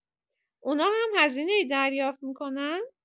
اونا هم هزینه‌ای دریافت می‌کنن؟